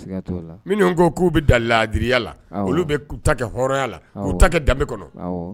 Minnu ko k'u bi dan laadiya la, olu bɛ k'i ta kɛ hɔrɔnya la k'u ta kɛ danbe kɔnɔ